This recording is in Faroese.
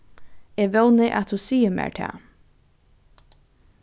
eg vóni at tú sigur mær tað